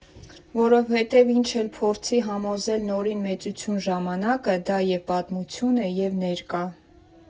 Որովհետև ինչ էլ փորձի համոզել նորին մեծություն Ժամանակը, դա և՛ պատմություն է, և՛ ներկա։